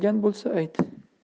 qilgan bo'lsa ayt